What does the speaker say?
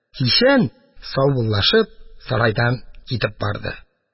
Кичен, саубуллашып, сарайдан китеп барды.